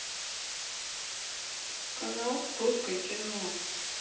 канал русское кино